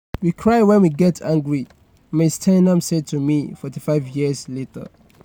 "We cry when we get angry," Ms. Steinem said to me 45 years later.